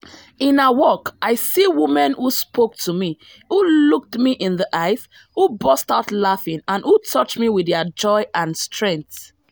In her work, I see women who spoke to me, who looked me in the eyes, who burst out laughing and who touched me with their joy and strength.